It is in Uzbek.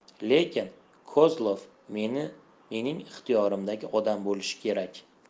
lekin kozlov mening ixtiyorimdagi odam bo'lishi kerak